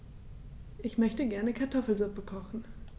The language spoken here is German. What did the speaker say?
Ich möchte gerne Kartoffelsuppe kochen.